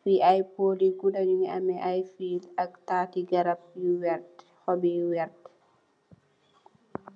Fi ay pool yu gudda ñu ngi ameh ay fiil ak tati garap yu werta xop yu werta.